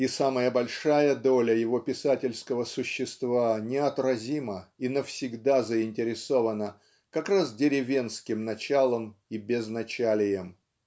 и самая большая доля его писательского существа неотразимо и навсегда заинтересована как раз деревенским началом и безначалием.